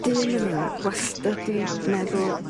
dyn yma wastad 'di meddwl